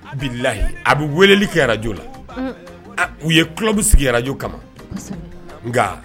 Bilahi a bɛ weleli kɛ arajo la u ye club sigi arajo kama nka